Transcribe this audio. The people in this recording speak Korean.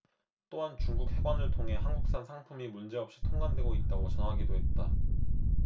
또한 중국 해관을 통해 한국산 상품이 문제없이 통관되고 있다고 전하기도 했다